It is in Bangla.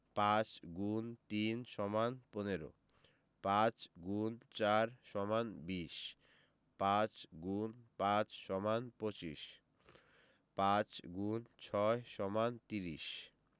৫× ৩ = ১৫ ৫× ৪ = ২০ ৫× ৫ = ২৫ ৫x ৬ = ৩০